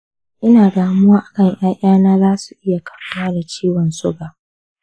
ina damuwa akan ƴaƴana za su iya kamuwa da ciwon suga.